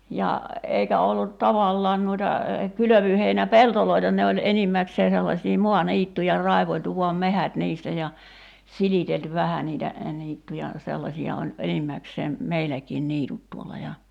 ja eikä ollut tavallaan noita kylvöheinäpeltoja ne oli enimmäkseen sellaisia maaniittyjä raivailtu vain metsät niistä ja silitelty vähän niitä niittyjä sellaisia oli enimmäkseen meilläkin niityt tuolla ja